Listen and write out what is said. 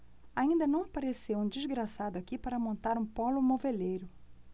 ainda não apareceu um desgraçado aqui para montar um pólo moveleiro